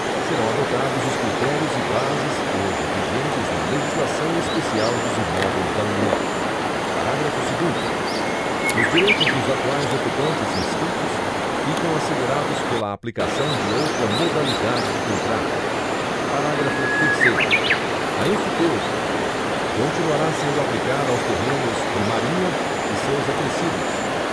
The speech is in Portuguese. serão adotados os critérios e bases hoje vigentes na legislação especial dos imóveis da união parágrafo segundo os direitos dos atuais ocupantes inscritos ficam assegurados pela aplicação de outra modalidade de contrato parágrafo terceiro a enfiteuse continuará sendo aplicada aos terrenos de marinha e seus acrescidos